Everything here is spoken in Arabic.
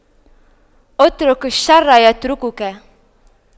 اترك الشر يتركك